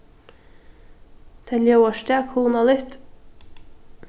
tað ljóðar stak hugnaligt